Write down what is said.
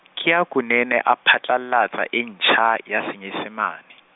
ke ha Kunene a phatlallatsa e ntjha, ya Senyesemane.